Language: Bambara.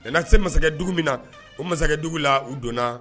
A se masakɛ dugu min na o masakɛdugu la u donna